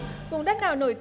vùng đất nào nổi